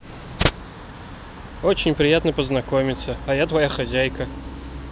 очень приятно познакомиться а я твоя хозяйка